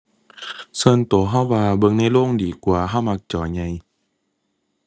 ส่วนตัวตัวว่าเบิ่งในโรงดีกว่า ตัวมักจอใหญ่